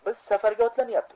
biz safarga otlanyapmiz